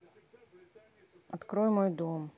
открой мой дом